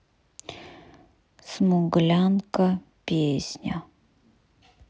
смуглянка песня